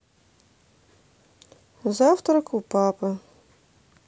завтрак у папы